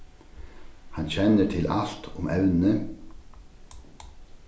hann kennir til alt um evnið